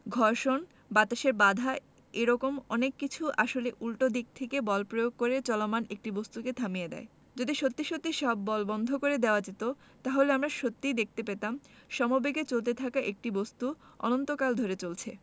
ঘর্ষণ বাতাসের বাধা এ রকম অনেক কিছু আসলে উল্টো দিক থেকে বল প্রয়োগ করে চলমান একটা বস্তুকে থামিয়ে দেয় যদি সত্যি সত্যি সব বল বন্ধ করে দেওয়া যেত তাহলে আমরা সত্যিই দেখতে পেতাম সমবেগে চলতে থাকা একটা বস্তু অনন্তকাল ধরে চলছে